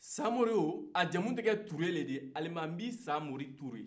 samori o a jamu tɛlɛ ture le di alimami samori ture